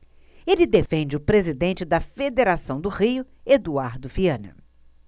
ele defende o presidente da federação do rio eduardo viana